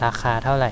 ราคาเท่าไร